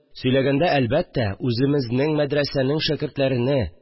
Сөйләгәндә, әлбәттә, үземезнең мәдрәсәнең шәкертләрене